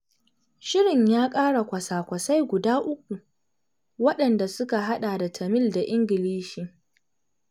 Shirin ya ƙara kwasa-kwasai guda uku, waɗanda suka haɗa da Tamil da Ingilishi.